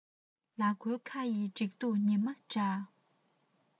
ལ མགོའི ཁ ཡི ཁྲི གདུགས ཉི མ འདྲ